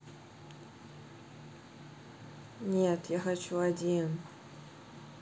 нет я хочу один